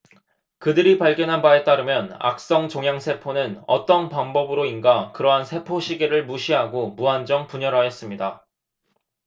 그들이 발견한 바에 따르면 악성 종양 세포는 어떤 방법으로인가 그러한 세포 시계를 무시하고 무한정 분열하였습니다